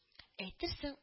Әйтерсең